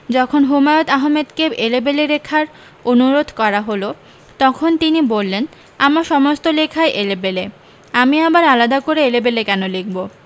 যখন হুমায়ন আহমেদকে এলেবেলে লেখার অনুরোধে করা হল তখন তিনি বললেন আমার সমস্ত লেখাই এলেবেলে আমি আবার আলাদা করে এলেবেলে কেন লিখব